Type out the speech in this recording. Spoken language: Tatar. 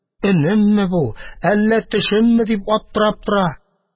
«өнемме бу, әллә төшемме?» – дип аптырап тора.